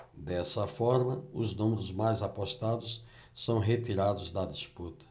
dessa forma os números mais apostados são retirados da disputa